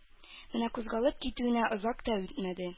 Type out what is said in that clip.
Менә кузгалып китүенә озак та үтмәде